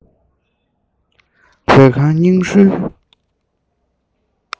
བོད ཁང སྙིང ཧྲུལ